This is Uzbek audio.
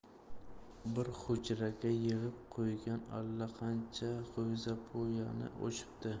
bir hujraga yig'ib qo'ygan allaqancha g'o'zapoyani opchiqibdi